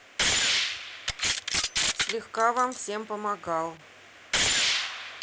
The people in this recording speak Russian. слегка вам всем помогал